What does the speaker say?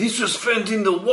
This was found in the